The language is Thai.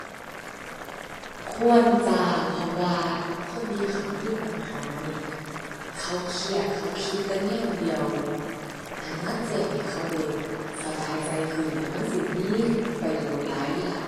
ควรจ้า เพราะว่าคนที่เขามีปัญหานี้ เขาเครียด เขาคิดแต่แนวเดียว หั้นมาแจ้งให้เขาได้สบายใจขึ้นนี้ มันสิมีประโยชน์หลายเลยล่ะ